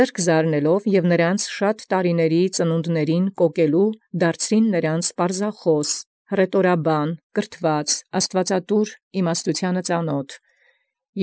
Առ ի յարդարել և զնոցա հարուստ ամացն ծնունդս առեալ՝ պարզախաւսս, հռետորաբանս, կրթեալս, աստուածատուր իմաստութեանն ծանաւթս կացուցանէին։